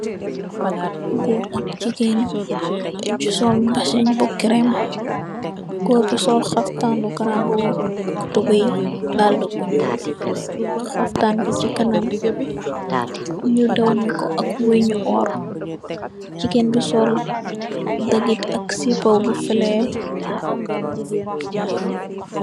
Goor ak jigéen nuu so mbazen bu cream goor bi sol xaftanu garambubu ak tubai daala bu nuul xaftan bi nyu dawmex ko ak weng nyu orr jigeen bi sol dagit ak sipa bu felee.